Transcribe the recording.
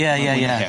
Ie ie ie.